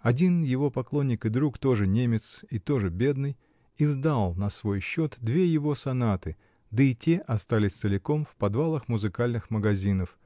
один его поклонник и друг, тоже немец и тоже бедный, издал на свой счет две его сонаты, -- да и те остались целиком в подвалах музыкальных магазинов